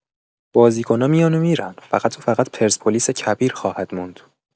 بازیکنا میان و می‌رن، فقط و فقط پرسپولیس کبیر خواهد موند.